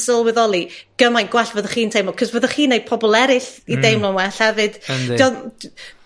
sylweddoli gymaint gwell fyddech chi'n teimlo 'c'os fyddech chi'n neu' pobol eryll... Hmm. ...i deimlo'n well hefyd. Yndi. 'Di o'm d- ...